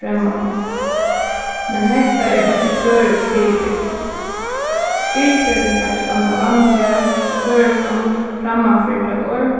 fremmant mál men hetta er einki føroyskt fyribrigdi fyrisetingar standa vanliga á føroyskum framman fyri tað orð